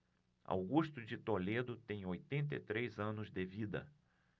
augusto de toledo tem oitenta e três anos de vida